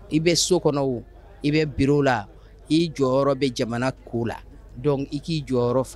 I bɛ so kɔnɔ i bɛ bi la i jɔyɔrɔ bɛ jamana ko la dɔn i k'i jɔyɔrɔ faga